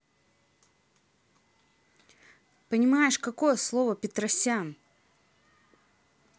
понимаешь какое слово петросян